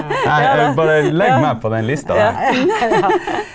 nei jeg vil bare legg meg på den lista der.